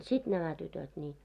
sitten nämä tytöt niin